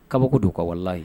Kabako don ka walela ye